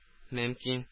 Мөмкин